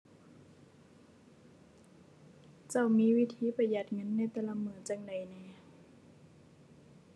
เจ้ามีวิธีประหยัดเงินในแต่ละมื้อจั่งใดแหน่